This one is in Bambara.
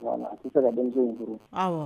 'i ka denmisɛn in furu